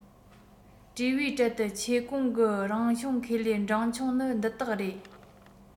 བཀྲུས པའི གྲལ དུ ཆེས གོང གི རང བྱུང ཁེ ལས འབྲིང ཆུང ནི འདི དག རེད